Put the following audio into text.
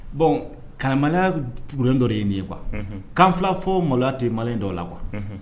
Bon karayaur dɔ de y ye nin ye qu kan fila fɔ maloya tɛ ma dɔ la qu